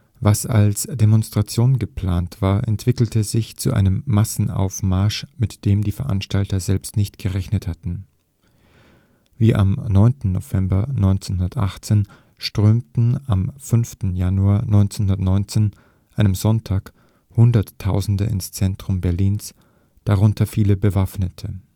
Was als Demonstration geplant war, entwickelte sich zu einem Massenaufmarsch, mit dem die Veranstalter selbst nicht gerechnet hatten. Wie am 9. November 1918 strömten am 5. Januar 1919, einem Sonntag, Hunderttausende ins Zentrum Berlins, darunter viele Bewaffnete